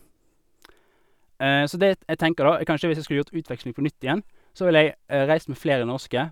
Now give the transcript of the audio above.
Så det t jeg tenker, da, e kanskje, hvis jeg skulle gjort utveksling på nytt igjen, så ville jeg reist med flere norske.